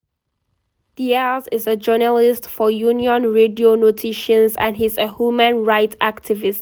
[Díaz] is a journalist for Unión Radio Noticias and he's a human rights activist.